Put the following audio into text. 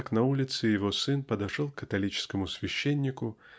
как на улице его сын подошел к католическому священнику